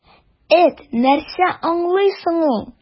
Эт нәрсә аңлый соң ул!